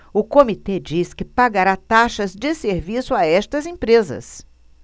o comitê diz que pagará taxas de serviço a estas empresas